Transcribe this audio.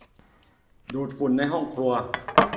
ดูดฝุ่นในห้องครัว